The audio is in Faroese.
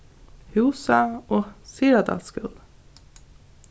húsa og syðradals skúli